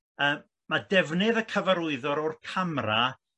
yy ma' defnydd y cyfarwyddo o'r camra